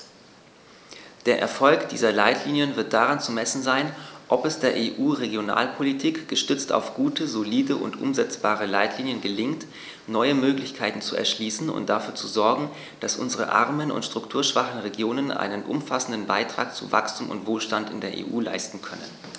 Der Erfolg dieser Leitlinien wird daran zu messen sein, ob es der EU-Regionalpolitik, gestützt auf gute, solide und umsetzbare Leitlinien, gelingt, neue Möglichkeiten zu erschließen und dafür zu sorgen, dass unsere armen und strukturschwachen Regionen einen umfassenden Beitrag zu Wachstum und Wohlstand in der EU leisten können.